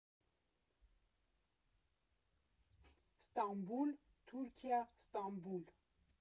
Ստամբուլ, Թուրքիա Ստամբուլ։